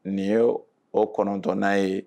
Nin ye o kɔnɔntɔnna'a ye